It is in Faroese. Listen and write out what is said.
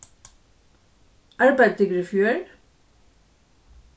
arbeiddu tykur í fjør